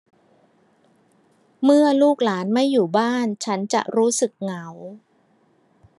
เมื่อลูกหลานไม่อยู่บ้านฉันจะรู้สึกเหงา